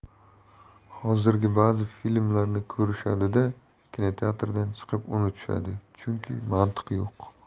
hozirgi ba'zi filmlarni ko'rishadi da kinoteatrdan chiqib unutishadi chunki mantiq yo'q